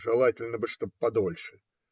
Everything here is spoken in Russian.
Желательно бы, чтобы подольше.